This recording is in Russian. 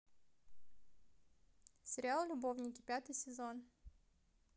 сериал любовники пятый сезон